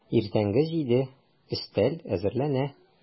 Иртәнге җиде, өстәл әзерләнә.